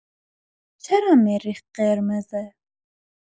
چرا مریخ قرمزه؟